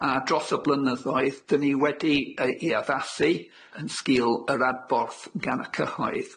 a dros y blynyddoudd 'dyn ni wedi yy i addasu yn sgil yr adborth gan y cyhoedd.